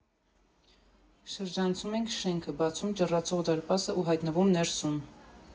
Շրջանցում ենք շենքը, բացում ճռռացող դարպասը ու հայտնվում ներսում։